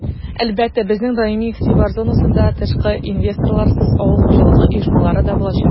Әлбәттә, безнең даими игътибар зонасында тышкы инвесторларсыз авыл хуҗалыгы оешмалары да булачак.